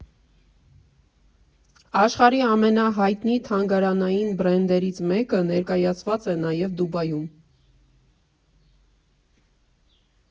Աշխարհի ամենահայտնի թանգարանային բրենդերից մեկը ներկայացված է նաև Դուբայում։